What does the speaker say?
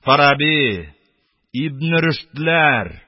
Фараби ибне Рөшөтләр,